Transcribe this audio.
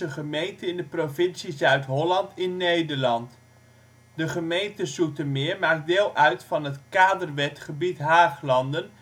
gemeente in de provincie Zuid-Holland in Nederland. De gemeente Zoetermeer maakt deel uit van het kaderwetgebied Haaglanden